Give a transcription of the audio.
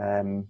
Yym